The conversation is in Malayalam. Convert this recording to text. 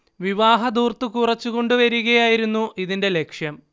വിവാഹധൂർത്ത് കുറച്ച് കൊണ്ടു വരികയായിരുന്നു ഇതിന്റെ ലക്ഷ്യം